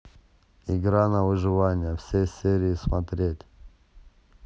игра на выживание все серии смотреть